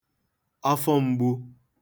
afọ m̄gbū